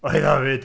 Oedd e 'fyd?